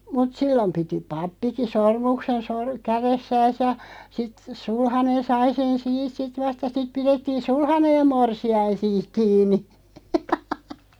mutta silloin piti pappikin sormuksen - kädessään ja sitten sulhanen sai sen siitä sitten vasta ja sitten pidettiin sulhanen ja morsian siinä kiinni